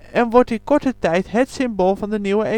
en wordt in korte tijd het symbool van de Nieuwe